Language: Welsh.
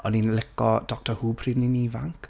O'n i'n lico Dr Who pryd o'n i'n ifanc.